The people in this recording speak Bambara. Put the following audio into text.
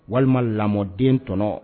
Walima lamɔden tɔnɔ